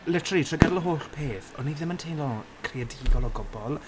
Literally trwy gydol y holl peth o'n i ddim yn teimlo'n creadigol o gwbl.